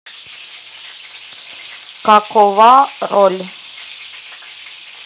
какова роль